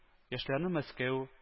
Яшьләрне мәскәү